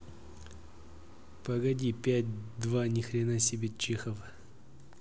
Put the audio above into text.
погоди пять два нихрена себе чехов